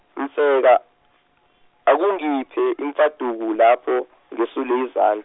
Mfeka, akungiphe imfaduko lapho ngesule izandl-.